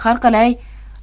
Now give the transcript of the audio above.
har qalay